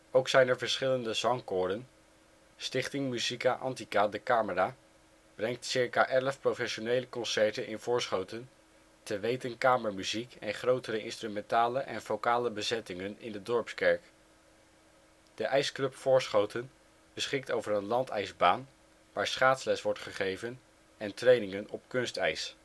Ook zijn er verschillende zangkoren. Stichting Musica Antica da Camera brengt ca 11 professionele concerten in Voorschoten, te weten kamermuziek en grotere instrumentale en vocale bezettingen in de Dorpskerk. De IJsclub Voorschoten beschikt over een landijsbaan waar schaatsles wordt gegeven en trainingen op kunstijs